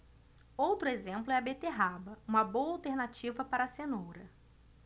outro exemplo é a beterraba uma boa alternativa para a cenoura